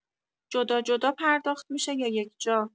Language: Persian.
جدا جدا پرداخت می‌شه یا یکجا؟